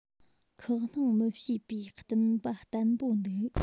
ཁག སྣང མི བྱེད པའི བརྟུན པ བརྟན པོ འདུག